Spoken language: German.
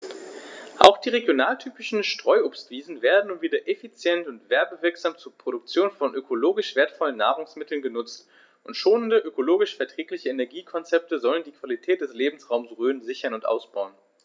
Auch die regionaltypischen Streuobstwiesen werden nun wieder effizient und werbewirksam zur Produktion von ökologisch wertvollen Nahrungsmitteln genutzt, und schonende, ökologisch verträgliche Energiekonzepte sollen die Qualität des Lebensraumes Rhön sichern und ausbauen.